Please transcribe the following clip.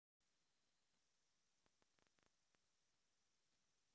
бони и кузьмич